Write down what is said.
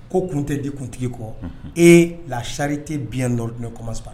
Ko kun tɛ di kuntigi kɔ e lasari tɛ bi nɔ tun kɔmans